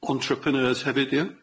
Entrepreneurs hefyd ia?